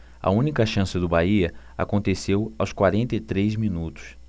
a única chance do bahia aconteceu aos quarenta e três minutos